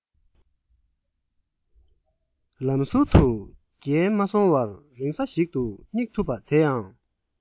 ལམ ཟུར དུ འགྱེལ མ སོང བར རིང ས ཞིག ཏུ སྙེག ཐུབ པ དེ ཡང